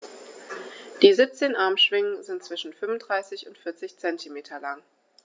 Die 17 Armschwingen sind zwischen 35 und 40 cm lang.